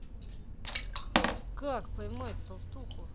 как поймать толстуху